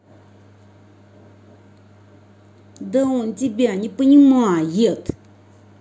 да он тебя не понимает